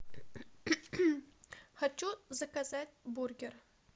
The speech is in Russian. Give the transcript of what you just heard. хочу заказать бургер